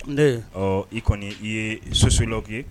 Ɔ i kɔni i ye sosoya kɛ